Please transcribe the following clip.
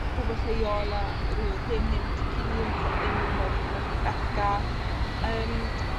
pobol lleol a o le odd hen hen t'cu o ne' pethe yn un o'r Merched Beca. Yym.